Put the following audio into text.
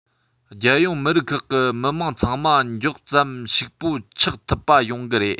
རྒྱལ ཡོངས མི རིགས ཁག གི མི དམངས ཚང མ མགྱོགས ཙམ ཕྱུག པོ ཆགས ཐུབ པ ཡོང གི རེད